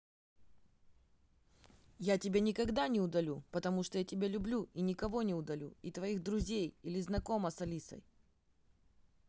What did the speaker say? я тебя никогда не удалю потому что я тебя люблю и никого не удалю и твоих друзей или знакома с алисой